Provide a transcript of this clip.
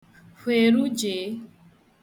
khwèrujèe